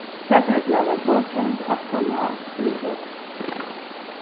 løgreglan var boðsend aftan á innbrotið